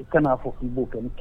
I kana'a fɔ k'o kɛ kɛ